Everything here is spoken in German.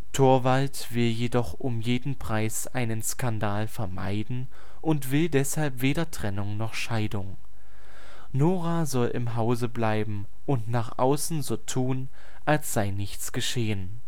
Torvald will jedoch um jeden Preis einen Skandal vermeiden und will deshalb weder Trennung noch Scheidung. Nora soll im Hause bleiben und nach außen so tun, als sei nichts geschehen